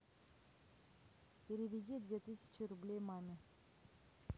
переведи две тысячи рублей маме